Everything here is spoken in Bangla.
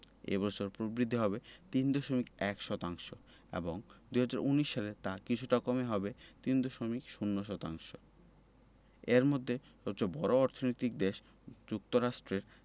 এ বছর প্রবৃদ্ধি হবে ৩.১ শতাংশ এবং ২০১৯ সালে তা কিছুটা কমে হবে ৩.০ শতাংশ এর মধ্যে সবচেয়ে বড় অর্থনৈতিক দেশ যুক্তরাষ্ট্রে